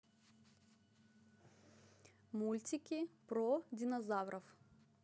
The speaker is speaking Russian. мультики про динозавров